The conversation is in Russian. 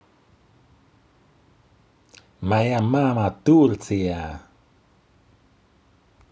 моя мама турция